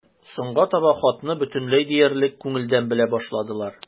Соңга таба хатны бөтенләй диярлек күңелдән белә башладылар.